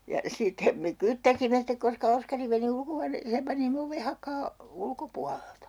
ja sitten me kyttäsimme sitten koska Oskari meni ulkohuoneeseen panimme oven hakaan ulkopuolelta